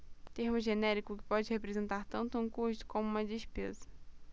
termo genérico que pode representar tanto um custo como uma despesa